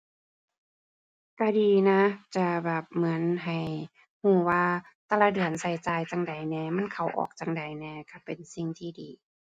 ก็ดีนะก็แบบเหมือนให้ ก็ว่าแต่ละเดือนก็จ่ายจั่งใดแหน่ มันเข้าออกจั่งใดแหน่ ก็เป็นสิ่งที่ดี